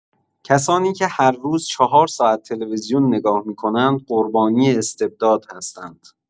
کسانی که هر روز ۴ ساعت تلویزیون نگاه می‌کنند قربانی استبداد هستند.